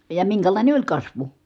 ja minkälainen oli kasvu